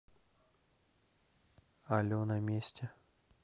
але на месте